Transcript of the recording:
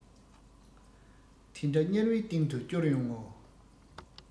དེ འདྲ དམྱལ བའི གཏིང དུ བསྐྱུར ཡོང ངོ